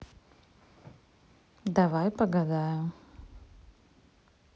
давай погадаю